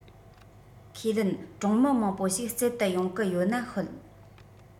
ཁས ལེན གྲོང མི མང པོ ཞིག རྩེད དུ ཡོང གི ཡོད ན ཤོད